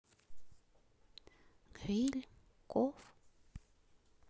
гриль коф